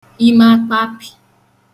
ime akpapị